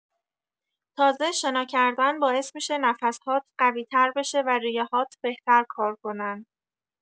تازه، شنا کردن باعث می‌شه نفس‌هات قوی‌تر بشه و ریه‌هات بهتر کار کنن.